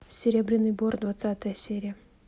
серебряный бор двадцатая серия